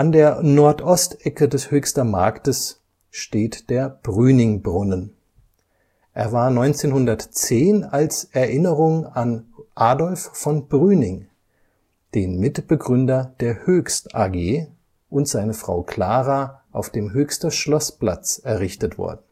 der Nordost-Ecke des Höchster Marktes steht der Brüningbrunnen. Er war 1910 als Erinnerung an Adolf von Brüning, den Mitbegründer der Hoechst AG, und seine Frau Clara auf dem Höchster Schloßplatz errichtet worden